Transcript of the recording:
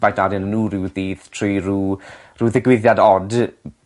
fanit arian a n'w ryw ddydd trwy rw rhyw ddigwyddiad od